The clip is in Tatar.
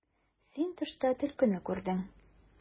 Син төштә төлкене күрдең.